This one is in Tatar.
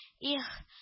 Их